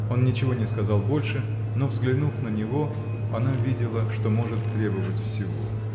Он ничего не сказал больше, но, взглянув на него, она видела, что может требовать всего.